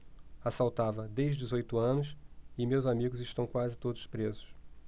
assaltava desde os oito anos e meus amigos estão quase todos presos